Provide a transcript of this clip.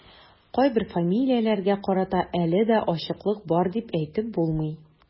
Кайбер фамилияләргә карата әле дә ачыклык бар дип әйтеп булмый.